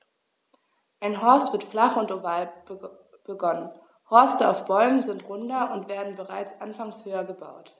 Ein Horst wird flach und oval begonnen, Horste auf Bäumen sind runder und werden bereits anfangs höher gebaut.